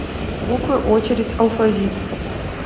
буквы очередь алфавит